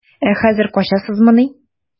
Ә хәзер качасызмыни?